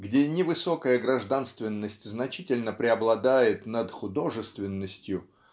где невысокая гражданственность значительно преобладает над художественностью